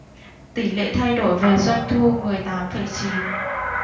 tỷ lệ thay đổi về doanh thu mười tám phẩy chín